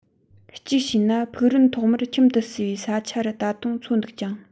གཅིག བྱས ན ཕུག རོན ཐོག མར ཁྱིམ ཏུ གསོས པའི ས ཆ རུ ད དུང འཚོ འདུག ཀྱང